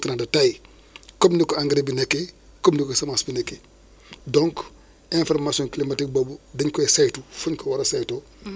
foofu dèjà ñun au niveau du ministère de l' agriculture dañuy jël les devants dañuy préparé donc des mécanismes d' adaptation